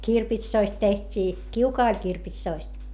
niin kirpitsoista tehtiin kiuas oli kirpitsoista